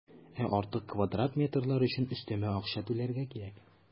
Ә артык квадрат метрлар өчен өстәмә акча түләргә кирәк.